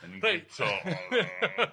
Reit.